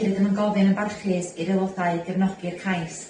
rydym yn gofyn yn barchus i'r aelodau gefnogi'r cais.